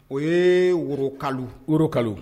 O ye woroka woro